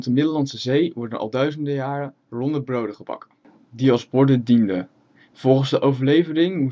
Middellandse Zee worden al duizenden jaren ronde broden gebakken, die als borden dienden. Volgens de overlevering moest